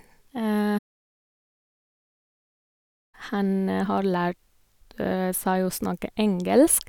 Han har lært seg å snakke engelsk.